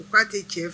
U k'a tɛ cɛ f